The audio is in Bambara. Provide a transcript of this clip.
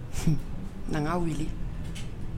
Na' wele